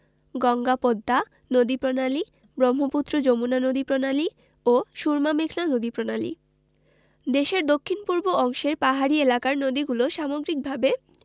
গঙ্গা পদ্মা নদীপ্রণালী ব্রহ্মপুত্র যমুনা নদীপ্রণালী ও সুরমা মেঘনা নদীপ্রণালী দেশের দক্ষিণ পূর্ব অংশের পাহাড়ী এলাকার নদীগুলো সামগ্রিকভাবে